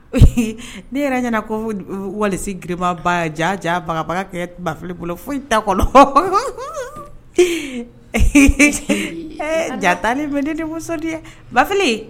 ne yɛrɛ ɲɛna koo valise giriman baa jaa jaa bagaba kɛɛ t Bafili bolo foyi t'a kɔnɔ ee ja a tali bɛ ne ni munsɔndiya Bafili